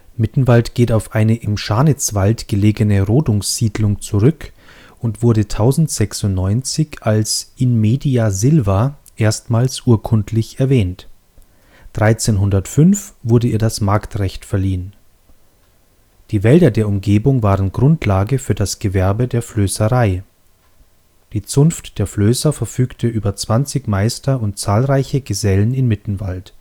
Mittenwald geht auf eine im Scharnitzwald gelegene Rodungssiedlung zurück und wurde 1096 als in media silva erstmals urkundlich erwähnt, 1305 wurde ihr das Marktrecht verliehen. Die Wälder der Umgebung waren Grundlage für das Gewerbe der Flößerei. Die Zunft der Flößer verfügte über 20 Meister und zahlreiche Gesellen in Mittenwald